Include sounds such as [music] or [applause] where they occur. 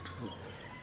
[hesitation] [hesitation]